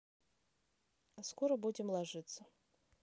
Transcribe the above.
скоро будем ложиться